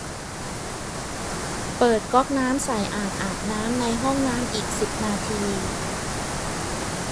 เปิดก๊อกน้ำใส่อ่างอาบน้ำในห้องน้ำอีกสิบนาที